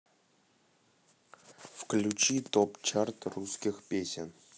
включи топ чарт русских песен